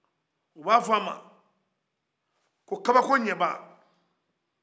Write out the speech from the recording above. u bɛ a fɔ a ma ko kabakoɲɛba